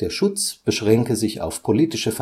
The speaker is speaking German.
Schutz beschränke sich auf politische